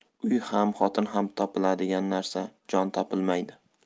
uy ham xotin ham topiladigan narsa jon topilmaydi